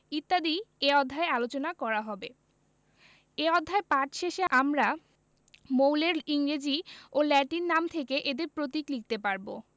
ইত্যাদি এ অধ্যায়ে আলোচনা করা হবে এ অধ্যায় পাঠ শেষে আমরা মৌলের ইংরেজি ও ল্যাটিন নাম থেকে তাদের প্রতীক লিখতে পারব